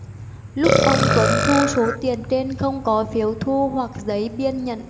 lúc ông tuấn thu số tiền trên không có phiếu thu hoặc giấy biên nhận